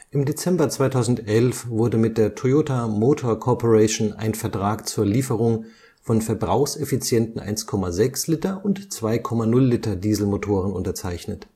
Dezember 2011 wurde mit der Toyota Motor Corporation ein Vertrag zur Lieferung von verbrauchseffizienten 1,6 l und 2,0 l Dieselmotoren unterzeichnet